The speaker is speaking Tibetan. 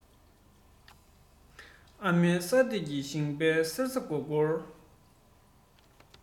ཨ མའི ཡ ཐོད ཀྱིས བཞེངས པའི མཚེར ས སྒོར སྒོར